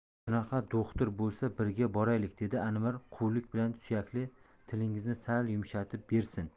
shunaqa do'xtir bo'lsa birga boraylik dedi anvar quvlik bilan suyakli tilingizni sal yumshatib bersin